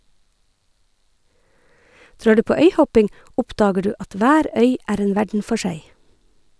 Drar du på øyhopping, oppdager du at hver øy er en verden for seg.